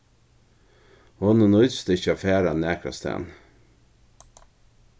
honum nýtist ikki at fara nakrastaðni